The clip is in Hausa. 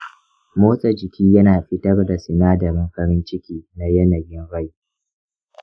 motsa jiki yana fitar da sinadaran farin ciki na yanayin rai.